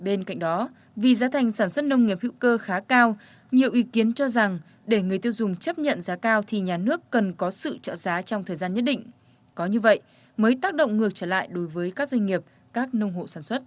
bên cạnh đó vì giá thành sản xuất nông nghiệp hữu cơ khá cao nhiều ý kiến cho rằng để người tiêu dùng chấp nhận giá cao thì nhà nước cần có sự trợ giá trong thời gian nhất định có như vậy mới tác động ngược trở lại đối với các doanh nghiệp các nông hộ sản xuất